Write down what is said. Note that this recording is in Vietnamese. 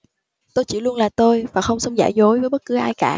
tôi chỉ luôn là tôi và không sống giả dối với bất cứ ai cả